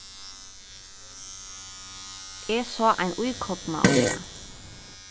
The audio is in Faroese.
eg sá ein íkorna í dag